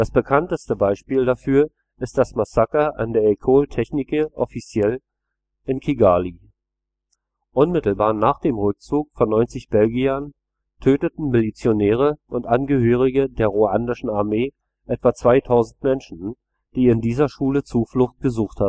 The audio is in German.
bekannteste Beispiel dafür ist das Massaker an der École Technique Officielle in Kigali. Unmittelbar nach dem Rückzug von 90 Belgiern töteten Milizionäre und Angehörige der ruandischen Armee etwa 2000 Menschen, die in dieser Schule Zuflucht gesucht